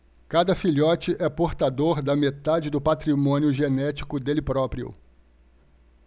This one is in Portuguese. cada filhote é portador da metade do patrimônio genético dele próprio